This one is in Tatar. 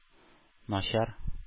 Начар